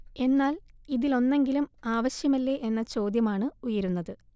എന്നാൽ ഇതിലൊന്നെങ്കിലും ആവശ്യമല്ലേ എന്ന ചോദ്യമാണ് ഉയരുന്നത്